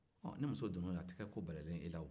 on ni muso donna ola a tɛ kɛ ko balalen ye i la